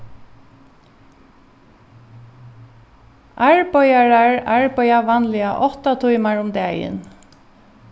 arbeiðarar arbeiða vanliga átta tímar um dagin